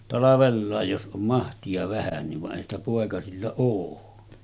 talvella jos on mahtia vähänkin vaan eihän sitä poikasilla ole